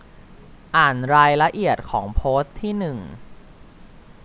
อ่านรายละเอียดของโพสต์ที่หนึ่ง